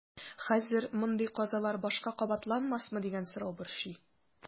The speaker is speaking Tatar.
Хәзер мондый казалар башка кабатланмасмы дигән сорау борчый.